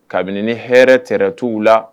Kabini ni hɛrɛ tɛrɛ t'u la.